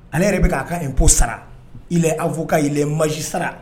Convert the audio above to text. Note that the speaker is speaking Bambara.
Ale yɛrɛ bɛ k' a ka impôt, il est avocat il est magistrat